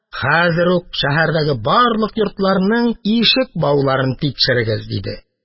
Хәзер үк шәһәрдәге барлык йортларның ишек бауларын тикшерегез, – диде.